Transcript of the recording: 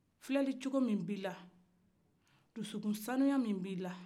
filɛli cogo min b'i la dusukun saniya min b'i la